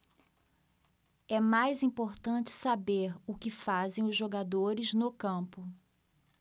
é mais importante saber o que fazem os jogadores no campo